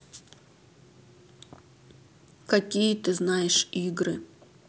какие ты знаешь игры